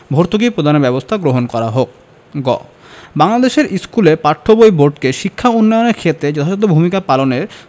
ভর্তুকি প্রদানের ব্যবস্থা গ্রহণ করা হোক গ বাংলাদেশের স্কুলে পাঠ্য বই বোর্ডকে শিক্ষা উন্নয়নের ক্ষেত্রে যথাযথ ভূমিকা পালনের